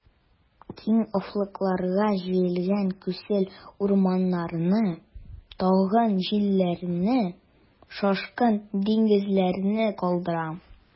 Киң офыкларга җәелгән күксел урманнарны, талгын җилләрне, шашкын диңгезләрне калдырам.